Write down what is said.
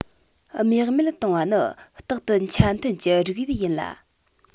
རྨེག མེད བཏང བ ནི རྟག ཏུ ཆ མཐུན གྱི རིགས དབྱིབས ཡིན ལ